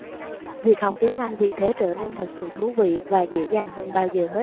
việc học tiếng anh vì thế trở nên thật sự thú vị và dễ dàng hơn bao giờ hết